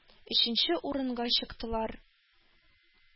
Өченче урынга чыктылар.